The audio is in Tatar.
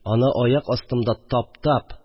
Аны аяк астымда таптап